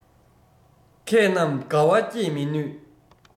མཁས རྣམས དགའ བ བསྐྱེད མི ནུས